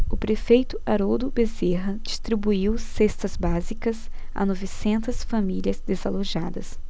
o prefeito haroldo bezerra distribuiu cestas básicas a novecentas famílias desalojadas